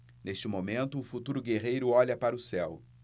neste momento o futuro guerreiro olha para o céu